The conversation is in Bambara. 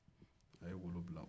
a ye wolo bila